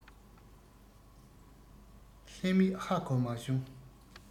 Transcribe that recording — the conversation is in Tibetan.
ལྷག མེད ཧ གོ མ བྱུང